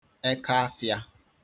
ekaafịā